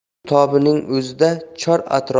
shu tobning o'zida chor